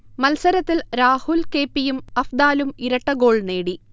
മത്സരത്തിൽ Rahul K. P. യും അഫ്ദാലും ഇരട്ടഗോൾ നേടി